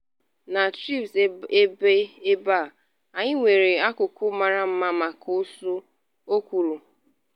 “Na Threaves ebe a, anyị nwere akụkụ mara mma maka ụsụ,” o kwuru.